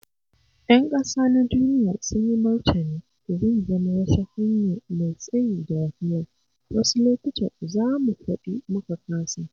‘Yan ƙasa na duniya sun yi martani: Zai zama wata hanya mai tsayi da wahala - wasu lokutan za mu faɗi muka kasa.